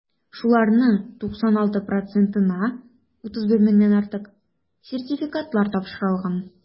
Шуларның 96 процентына (31 меңнән артык) сертификатлар тапшырылган.